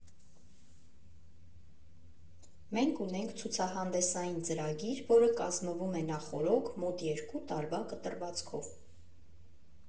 Մենք ունենք ցուցահանդեսային ծրագիր, որը կազմվում է նախօրոք՝ մոտ երկու տարվա կտրվածքով։